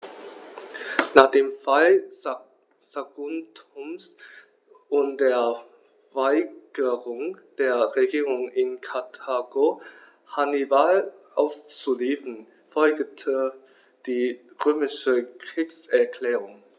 Nach dem Fall Saguntums und der Weigerung der Regierung in Karthago, Hannibal auszuliefern, folgte die römische Kriegserklärung.